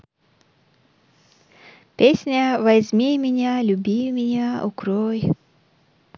песня возьми меня люби меня укрой